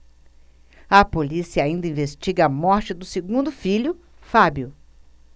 a polícia ainda investiga a morte do segundo filho fábio